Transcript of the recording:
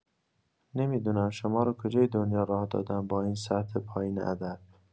نمی‌دونم شما رو کجای دنیا راه دادن با این سطح پایین ادب